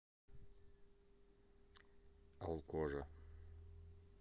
алкожа